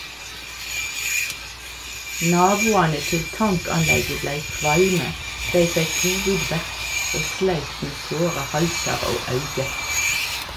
Naboane til tankanlegget blei kvalme, dei fekk hovudverk og sleit med såre halsar og auge.